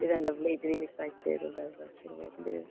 Bydd e'n lyfli, bydd hi'n excited amdano fe siŵr o fod, yn bydd hi?